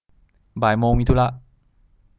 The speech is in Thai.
บ่ายโมงมีธุระ